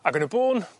ag yn y bôn